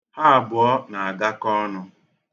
Ha abụọ na-agakọ ọnu.